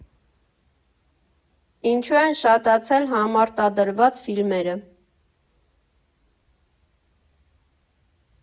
Ինչու են շատացել համարտադրված ֆիլմերը։